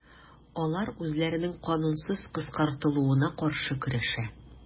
Алар үзләренең канунсыз кыскартылуына каршы көрәшә.